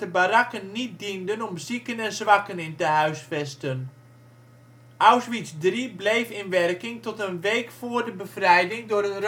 barakken niet dienden om zieken en zwakken in te huisvesten. Auschwitz III bleef in werking tot een week voor de bevrijding door